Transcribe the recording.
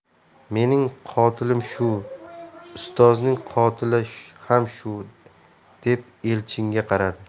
mening qotilim shu ustozning qotili ham shu deb elchinga qaradi